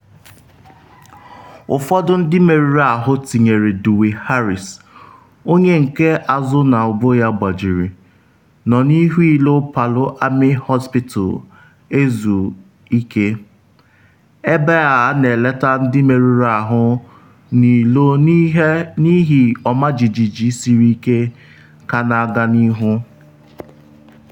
Ụfọdụ ndị merụrụ ahụ tinyere Dwi Haris, onye nke azụ na ubu ya gbajiri, nọ n’ihu ilo Palu Army Hospital ezu ike, ebe a na-elete ndị merụrụ ahụ n’ilo n’ihi ọmajiji siri ike ka na-aga n’ihu.